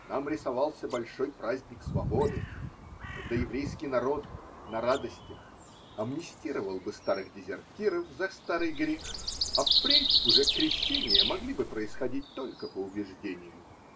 Нам рисовался большой праздник свободы, когда еврейский народ на радостях амнистировал бы старых дезертиров за старый грех, а впредь уже крещения могли бы происходить только по убеждению.